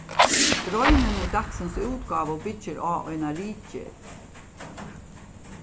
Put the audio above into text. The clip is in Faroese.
greinin í dagsins útgávu byggir á eina ritgerð